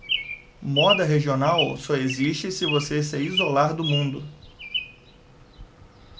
moda regional só existe se você se isolar do mundo